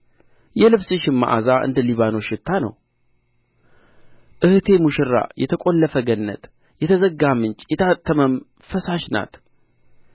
የልብስሽም መዓዛ እንደ ሊባኖስ ሽታ ነው እኅቴ ሙሽራ የተቈለፈ ገነት የተዘጋ ምንጭ የታተመም ፈሳሽ ናት